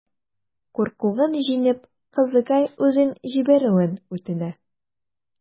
Куркуын җиңеп, кызыкай үзен җибәрүен үтенә.